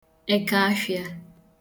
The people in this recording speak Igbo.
ekaafhịa